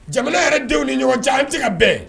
Jamana yɛrɛ denw ni ɲɔgɔn cɛ an tɛ ka bɛn